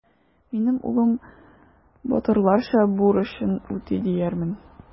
Минем улым батырларча бурычын үти диярмен.